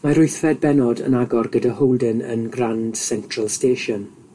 Mae'r wythfed bennod yn agor gyda Holden yn Grand Central Station.